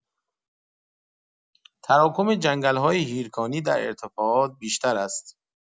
تراکم جنگل‌های هیرکانی در ارتفاعات بیشتر است.